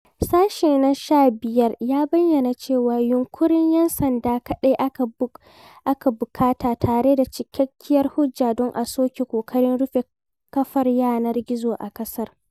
Sashe na 15a ya bayyana cewa "yunƙurin" 'yan sanda kaɗai ake buƙata tare da "cikakkiyar hujja" don a soke ƙoƙarin rufe kafar yanar gizo a ƙasar.